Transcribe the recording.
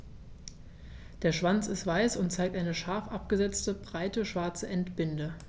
Der Schwanz ist weiß und zeigt eine scharf abgesetzte, breite schwarze Endbinde.